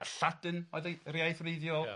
A Lladin o'dd ei yr iaith wreiddiol... Ia...